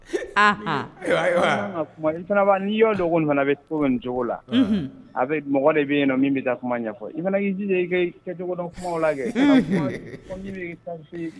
I cogo cogo la a bɛ mɔgɔ de bɛ bɛ taa kuma i'i ji kɛ cogo dɔ lajɛ